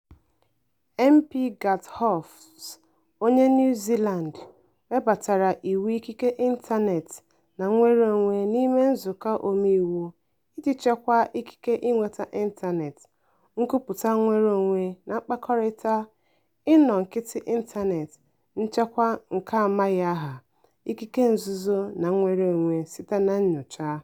MP Garth Hughes onye New Zealand webatara iwu ikike ịntaneetị na nnwereonwe n'ime nzukọ Omeiwu iji chekwaa ikike inweta ịntaneetị, nkwupụta nnwereonwe na mkpakọrịta, ịnọ nkịtị ịntaneetị, nchekwa nke amaghị aha, ikike nzuzo na nnwereonwe site na nnyocha.